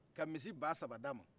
ka misi ba saba d'a ma